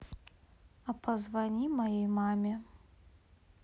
а позвони моей маме